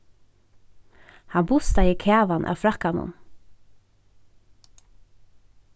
hann bustaði kavan av frakkanum